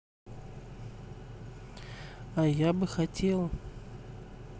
а я бы хотел